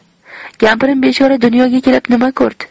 kampirim bechora dunyoga kelib nima ko'rdi